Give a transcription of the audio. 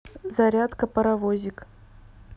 зарядка паровозик